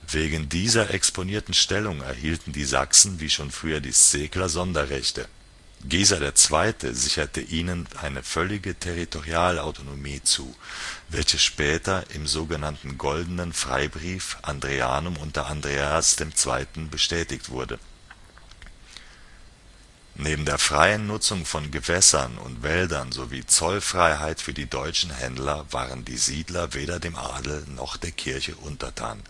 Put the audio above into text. Wegen dieser exponierten Stellung erhielten die Sachsen, wie schon früher die Szekler, Sonderrechte. Geisa II. sicherte ihnen eine völlige Territorialautonomie zu, welche später im sog. Goldenen Freibrief (Andreanum) unter Andreas II. bestätigt wurde. Neben der freien Nutzung von Gewässern und Wäldern sowie Zollfreiheit für die deutschen Händler waren die Siedler weder dem Adel noch der Kirche untertan